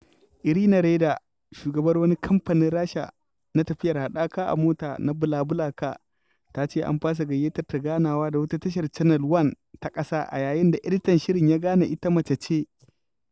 Irina Reyder, shugabar wani kamfanin Rasha na tafiyar haɗaka a mota na BlaBlaCar, ta ce an fasa gayyatar ta ganawa da wata tashar Channel One ta ƙasa a yayin da editan shirin ya gane ita mace ce.